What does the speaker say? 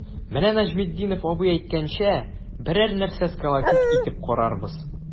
Менә Нәҗметдинов абый әйткәнчә, берәр нәрсә сколотить итеп карарбыз.